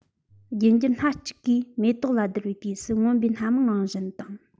རྒྱུད འགྱུར སྣ གཅིག ཅིག གི མེ ཏོག ལ བསྡུར བའི དུས སུ མངོན པའི སྣ མང རང བཞིན དང